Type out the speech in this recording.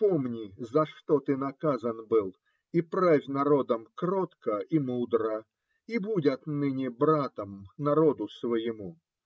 Помни, за что ты наказан был, и правь народом кротко и мудро, и будь отныне братом народу своему.